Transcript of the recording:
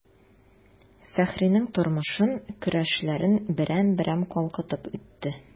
Фәхринең тормышын, көрәшләрен берәм-берәм калкытып үтте.